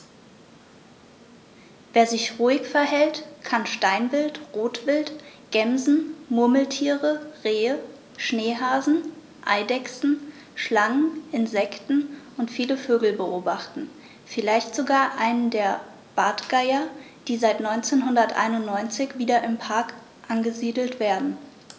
Wer sich ruhig verhält, kann Steinwild, Rotwild, Gämsen, Murmeltiere, Rehe, Schneehasen, Eidechsen, Schlangen, Insekten und viele Vögel beobachten, vielleicht sogar einen der Bartgeier, die seit 1991 wieder im Park angesiedelt werden.